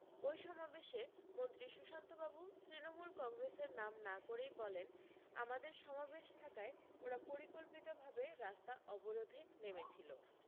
ওই সমাবেশে মন্ত্রী সুশান্তবাবু তৃণমূল কংগ্রেসের নাম না করেই বলেন আমাদের সমাবেশ থাকায় ওরা পরিকল্পিতভাবে রাস্তা অবরোধে নেমেছিল